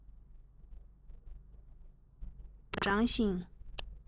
ཉིད དུ བགྲང ཞིང